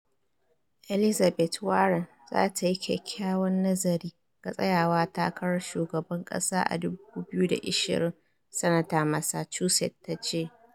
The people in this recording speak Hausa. Elizabeth Warren za ta yi "kyakkyawan nazari" ga Tsayawa takarar Shugaban kasa a 2020, Sanata Massachusetts ta ce